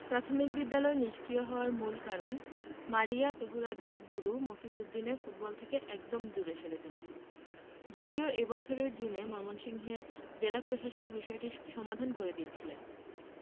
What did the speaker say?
প্রাথমিক বিদ্যালয় নিষ্ক্রিয় হওয়ার মূল কারণ মারিয়া তহুরাদের গুরু মফিজ উদ্দিনের ফুটবল থেকে একরকম দূরে সরে যাওয়া যদিও এ বছরের জুনে ময়মনসিংহের জেলা প্রশাসক বিষয়টির সমাধান করে দিয়েছিলেন